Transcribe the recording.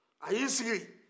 a y'i sigi